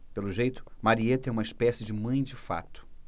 pelo jeito marieta é uma espécie de mãe de fato